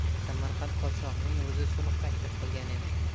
samarqand podshohining o'zi sulh taklif qilgan emish